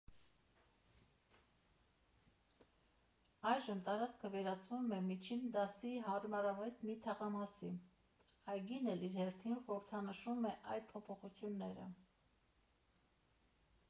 Այժմ տարածքը վերածվում է միջին դասի հարմարավետ մի թաղամասի, այգին էլ իր հերթին խորհրդանշում է այդ փոփոխությունները։